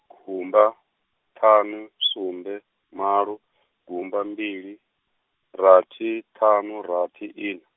gumba, ṱhanu, sumbe, malo, gumba mbili, rathi, ṱhanu, rathi ina.